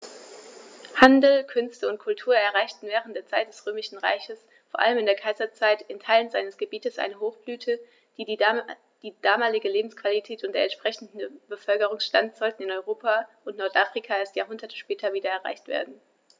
Handel, Künste und Kultur erreichten während der Zeit des Römischen Reiches, vor allem in der Kaiserzeit, in Teilen seines Gebietes eine Hochblüte, die damalige Lebensqualität und der entsprechende Bevölkerungsstand sollten in Europa und Nordafrika erst Jahrhunderte später wieder erreicht werden.